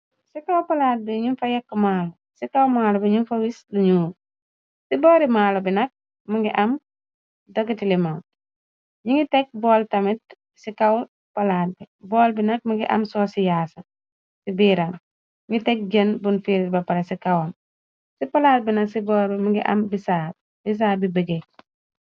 Ci kaw-palaat bi ñuñ fa yekk maalo. Ci kaw maalo bi ñu fa wis socci linyug. Ci boori maalo bi nag më ngi am dogiti limon yi ngi teg bool tamit ci kaw palaat bi bool bi nag më ngi am soo ci yaasa ci biiram ngi teg genn bun fiirir ba pale ci kawam ci palaat bi na ci boorbi më ngi am bsa bisaa bi bëge.